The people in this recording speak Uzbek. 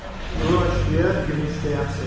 yuvvosh tuya yumushga yaxshi